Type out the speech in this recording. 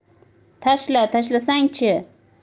tashla tashlasangchi